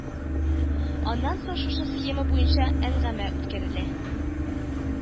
Аннан соң шушы схема буенча әңгәмә үткәрелә